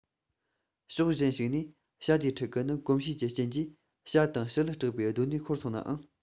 ཕྱོགས གཞན ཞིག ནས བྱ དེའི ཕྲུ གུ ནི གོམས གཤིས ཀྱི རྐྱེན གྱིས ཁྱི དང བྱི ལར སྐྲག པའི གདོད ནུས ཤོར སོང ནའང